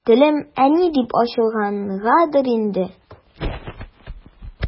Телем «әни» дип ачылгангадыр инде.